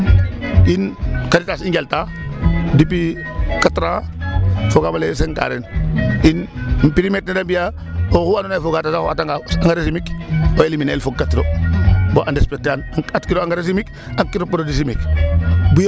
In CARETAS i njalta depuis quatre ans foogaam ale cinq ans ren in prix metre ne fe mbi'aa oxu andoona yee foga ta sax o atanga engrais chimique o éliminer el fogkatiro bo a respecter an atkiro engrais chimique atkiro produit chimique.